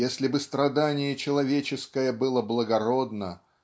если бы страдание человеческое было благородно